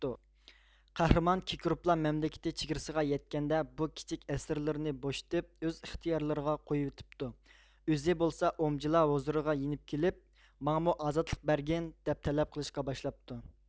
قەھرىمان كېكروپلار مەملىكىتى چېگرىسىغا يەتكەندە بۇ كىچىك ئەسىرلىرىنى بوشىتىپ ئۆز ئىختىيارلىرىغا قويۇۋېتىپتۇ ئۆزى بولسا ئومجلا ھۇزۇرىغا يېنىپ كېلىپ ماڭىمۇ ئازادلىق بەرگىن دەپ تەلەپ قىلىشقا باشلاپتۇ